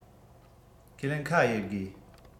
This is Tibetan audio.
ཁས ལེན ཁ དབྱེ དགོས